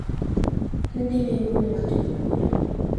Ndị na-egbu mmadụ n'obodo